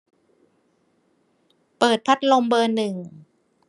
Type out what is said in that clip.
เปิดพัดลมเบอร์หนึ่ง